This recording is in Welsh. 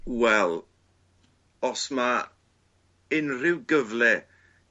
Wel, os ma' unrhyw gyfle